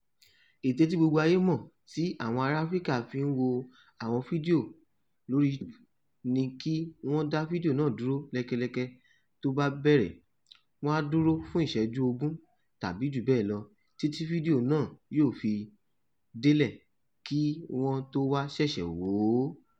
Ète tí gbogbo ayé mọ̀ tí àwọn ará Áfíríkà fi ń wo àwọn fídíò lóri YouTube ni kí wọ́n dá fídíò náà dúró lẹ́kẹ̀lẹkẹ̀ tó bá bẹ̀rẹ̀, wọ́n á dúró fún ìṣéjú 20 (tàbí jùbẹ́ẹ̀lọ) títí fídíò náà yóò fi délẹ̀, kí wọ́n tó wá ṣẹ̀ṣẹ̀ wò ó.